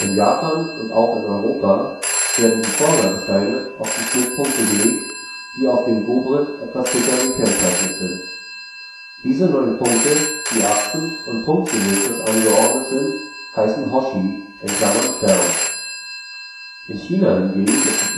Japan und auch in Europa werden die Vorgabesteine auf die Schnittpunkte gelegt, die auf dem Go-Brett etwas dicker gezeichnet sind. Diese neun Punkte, die achsen - und punktsymmetrisch angeordnet sind, heißen hoshi (星 „ Stern “). In China hingegen ist es üblich